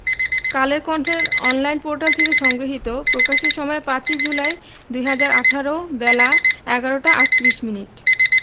কালের কন্ঠের online portal থেকে সংগৃহীত প্রকাশের সময় ৫ ই জুলাই ২০১৮ বেলা ১১টা ৩৮ মিনিট